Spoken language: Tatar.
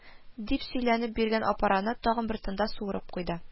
" дип сөйләнеп, биргән апараны тагы бер тында суырып куйды